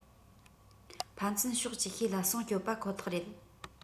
ཕན ཚུན ཕྱོགས ཅིག ཤོས ལ སྲུང སྐྱོབ པ ཁོ ཐག རེད